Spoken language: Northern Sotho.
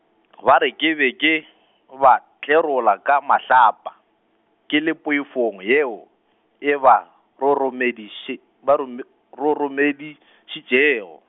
ba re ke be ke, ba tlerola ka mahlapa, ke le poifong yeo, e ba roromediše-, ba rome-, roromedišitšego.